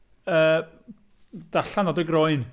Yy yn dod allan o dy groen.